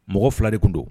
Mɔgɔ fila de tun don